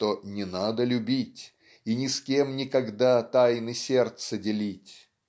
что "не надо любить и ни с кем никогда тайны сердца делить"